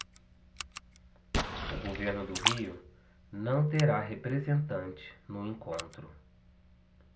o governo do rio não terá representante no encontro